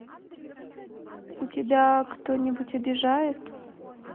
у тебя кто нибудь обижает